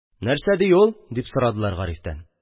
– нәрсә ди ул? – дип сорадылар гарифтан.